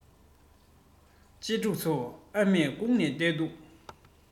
གཅེས ཕྲུག ཚོ ཨ མས སྒུག ནས བསྡད འདུག